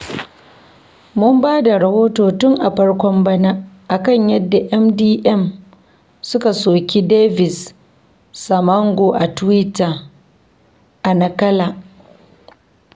Mun ba da rahoto tun a farkon bana a kan yadda MDM suka soki Daviz Simango a tiwita a Nacala.